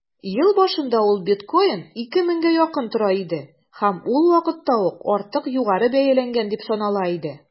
Ел башында ук биткоин 2 меңгә якын тора иде һәм ул вакытта ук артык югары бәяләнгән дип санала иде.